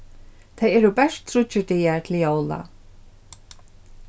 tað eru bert tríggir dagar til jóla